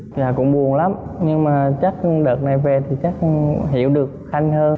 dạ cũng buồn lắm nhưng mà chắc đợt này về thì chắc hiểu được thanh hơn